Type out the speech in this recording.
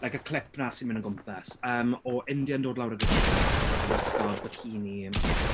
Like y clip yna sy'n mynd o gwmpas yym o India yn dod lawr y grisiau, yn gwisgo bikini...